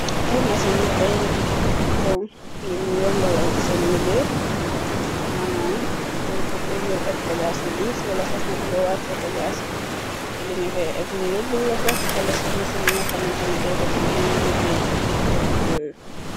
Ay maseen yi ay nit di ju faxtikoo ngir mu yombalal seen liggéey manaam burbu g epp bagaas bu di si wala saxna buga wacce bagaas ci linge kay ep mu yebbul lako wala saxmaseen yi nga xamanteni day dafi yeneen liggéey yu ute ak yoo yu.